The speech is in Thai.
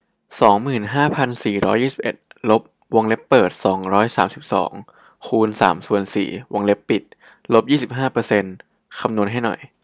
สองหมื่นห้าพันสี่ร้อยยี่สิบเอ็ดลบวงเล็บเปิดสองร้อยสามสิบสองคูณสามส่วนสี่วงเล็บปิดลบยี่สิบห้าเปอร์เซนต์คำนวณให้หน่อย